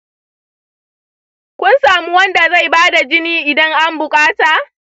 kun samu wanda zai ba da jini idan an buƙata?